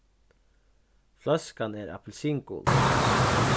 fløskan er appilsingul